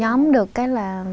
nhóm được cái là